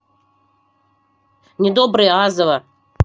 недобрые азова